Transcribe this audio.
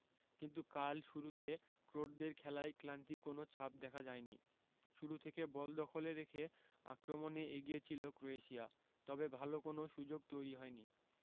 কিন্তু কাল শুরুতে ক্রোটদের খেলায় ক্লান্তির কোনো ছাপ দেখা যায়নি শুরু থেকে বল দখলে রেখে আক্রমণে এগিয়ে ছিল ক্রোয়েশিয়া তবে ভালো কোনো সুযোগ তৈরি হয়নি